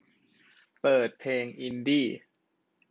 เปิดเพลงอินดี้